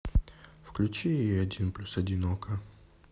включи один плюс один окко